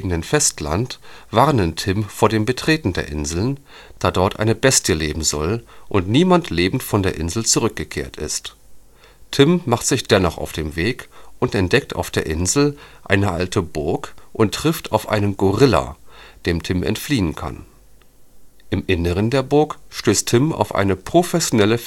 in der Nähe warnen Tim vor dem Betreten der Insel, da dort eine Bestie leben soll und niemand lebend von der Insel zurückgekehrt ist. Tim macht sich dennoch auf den Weg und entdeckt auf der Insel eine alte Burg und trifft auf einen Gorilla, dem Tim entfliehen kann. Im Inneren der Burg stößt Tim auf eine professionelle